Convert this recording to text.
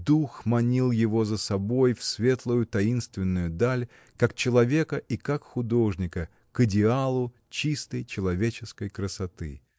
Дух манил его за собой, в светлую, таинственную даль, как человека и как художника, к идеалу чистой человеческой красоты.